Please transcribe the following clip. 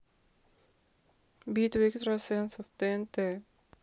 битва экстрасенсов тнт